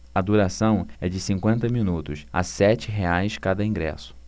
a duração é de cinquenta minutos a sete reais cada ingresso